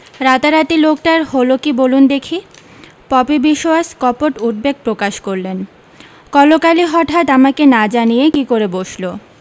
রাতারাতি লোকটার হলো কী বলুন দেখি পপি বিশোয়াস কপট উদ্বেগ প্রকাশ করলেন কলকালি হঠাত আমাকে না জানিয়ে কী করে বসলো